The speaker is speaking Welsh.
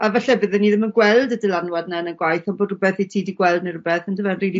A falle bydden ni ddim yn gweld y dylanwad 'na yn y gwaith on' bod rwbeth 'yt ti 'di gweld ne' rwbeth on'd yfe yn rili...